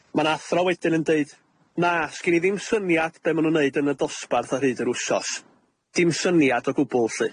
Ma' 'na athro wedyn yn deud, Na, sgin i ddim syniad be' ma' nw'n neud yn y dosbarth ar hyd yr wsos, dim syniad o gwbwl lly.